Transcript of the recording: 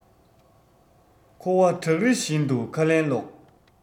འཁོར བ བྲག རི བཞིན དུ ཁ ལན སློག